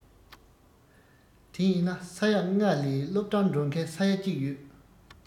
དེ ཡིན ན ས ཡ ལྔ ལས སློབ གྲྭར འགྲོ མཁན ས ཡ གཅིག ཡོད